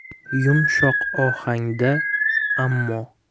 yumshoq ohangda ammo